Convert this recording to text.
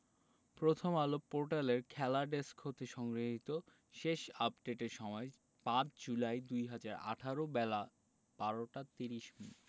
প্রথমআলো পোর্টালের খেলা ডেস্ক হতে সংগৃহীত শেষ আপডেটের সময় ৫ জুলাই ২০১৮ বেলা ১২টা ৩০মিনিট